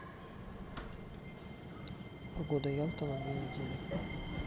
погода ялта на две недели